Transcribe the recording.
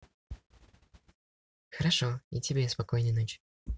хорошо и тебе спокойной ночи